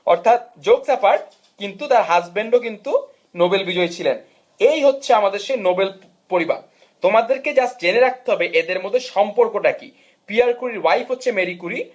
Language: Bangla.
অর্থাৎ জোকস অ্যাপার্ট কিন্তু তার হাসব্যান্ডও কিন্তু নোবেল বিজয়ী ছিলেন এই হচ্ছে আমাদের সেই নোবেল পরিবার তোমাদেরকে যা জেনে রাখতে হবে যে এদের মধ্যে সম্পর্ক টা কি পিয়ার কুড়ির ওয়াইফ হচ্ছে মেরি কুরি